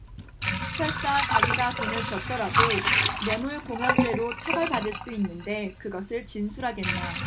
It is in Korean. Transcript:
설사 자기가 돈을 줬더라도 뇌물공여죄로 처벌받을 수 있는데 그것을 진술하겠나